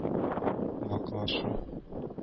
Ваклашу